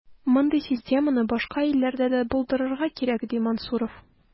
Мондый системаны башка илләрдә дә булдырырга кирәк, ди Мансуров.